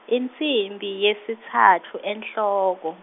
insimbi yesitsatfu enhloko.